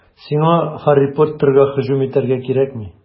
Сиңа Һарри Поттерга һөҗүм итәргә кирәкми.